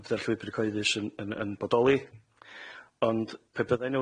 a bydde'r llwybr cyhoeddus yn yn yn bodoli ond pe bydda' 'na